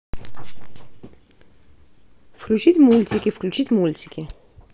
включить мультики включить мультики